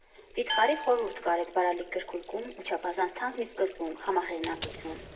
Վիթխարի խորհուրդ կար էդ բարալիկ գրքույկում ու չափազանց թանկ մի սկզբունք՝ համահեղինակություն։